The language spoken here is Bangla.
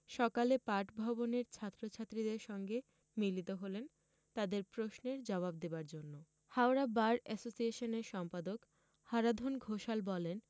সকালে পাঠভবনের ছাত্রছাত্রীদের সঙ্গে মিলিত হলেন তাঁদের প্রশ্নের জবাব দেবার জন্য হাওড়া বার অ্যাসোসিয়েশনের সম্পাদক হারাধন ঘোষাল বলেন